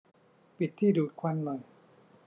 ปิดที่ดูดควันหน่อย